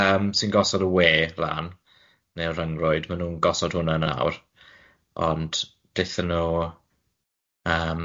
Ie, ma' pobol sy'n gosod y wê lan, neu y ryngrwyd, ma nw'n gosod hwnne nawr, ond dethon nw yym